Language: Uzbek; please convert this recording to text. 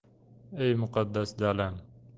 ey muqaddas dalam